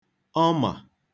ọmà